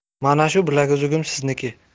mana shu bilaguzugim sizniki